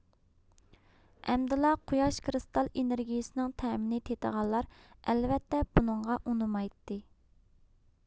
ئەمدىلا قۇياش كرىستال ئېنىرگىيىسىنىڭ تەمىنى تېتىغانلار ئەلۋەتتە بۇنىڭغا ئۇنىمايتتى